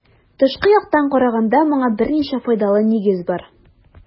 Тышкы яктан караганда моңа берничә файдалы нигез бар.